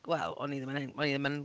Wel o'n i ddim yn en-... o'n i ddim yn...